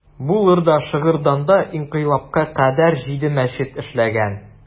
Булыр да, Шыгырданда инкыйлабка кадәр җиде мәчет эшләгән.